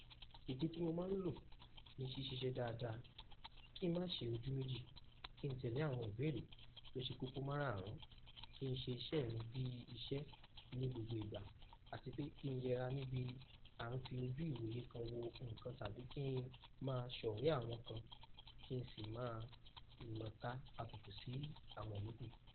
Ète tí mo máa ǹ lò ni ṣiṣẹ́ iṣẹ́ dáadáa: kí n má ṣe ojú méjì, kí n tẹ̀lé àwọn ìbéèrè tó ṣe kókó máráàrún, kí ṣe iṣẹ́ mi bíi iṣẹ ni gbogbo ìgbà, àti pé kí n yẹra níbi à ń fi ojú ìwoye kan wo nǹkan tàbí kí n ma ṣọrẹ̀ẹ́ àwọn kan kí n si máa nàka abúkù sí àwọn yóókù.